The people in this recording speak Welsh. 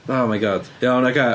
Oh my god, iawn, ocê.